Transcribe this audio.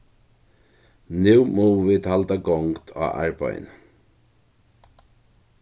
nú mugu vit halda gongd á arbeiðinum